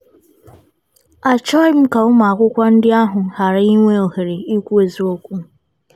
Achọghị m ka ụmụ akwụkwọ ndị ahụ ghara ịnwee ohere ikwu eziokwu.